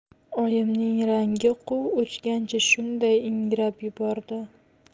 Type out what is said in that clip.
oyimning rangi quv o'chgancha shunday ingrab yubordi